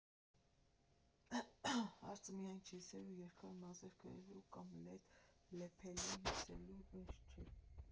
Հարցը միայն ջինսեր ու երկար մազեր կրելու, կամ Լեդ Զեփելին լսելու մեջ չէր։